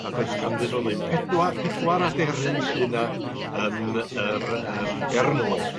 nad oes ganddyn n'w ddim pedwa- pedwar aderyn sy 'na yn yr yym Gernyweg.